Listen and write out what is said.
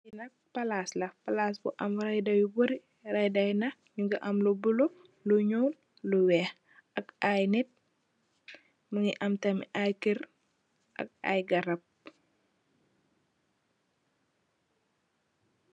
Fi nak palas la mougui am aye raida you barri nyougui am lou nyull ak lou weck ak aye nit mougui am tammet aye kerr ak aye garrap.